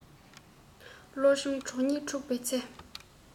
བློ ཆུང གྲོས ཉེས འཁྲུགས པའི ཚེ